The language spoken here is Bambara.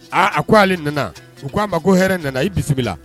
Aa a ko ale nana u k'a ma ko hɛrɛ nana! I bisimila!